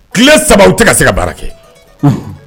Tile 3 u tɛ ka se ka baara kɛ; Un.